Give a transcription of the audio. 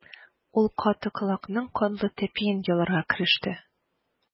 Ул каты колакның канлы тәпиен яларга кереште.